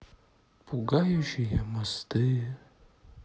пугающие мосты